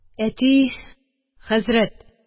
Әти: – Хәзрәт